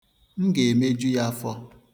M ga-emeju ya afọ.